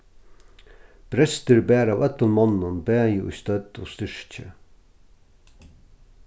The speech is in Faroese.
brestir bar av øllum monnum bæði í stødd og styrki